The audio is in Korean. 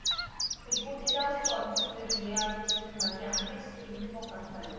그리고 대다수 언중들이 이해하고 쓰는 말이 아닐 수도 있는 것 같아요